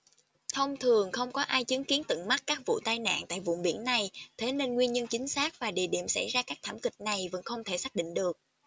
thông thường không có ai chứng kiến tận mắt các vụ tai nạn tại vùng biển này thế nên nguyên nhân chính xác và địa điểm xảy ra các thảm kịch này vẫn không thể xác định được